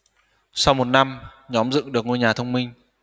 sau một năm nhóm dựng được ngôi nhà thông minh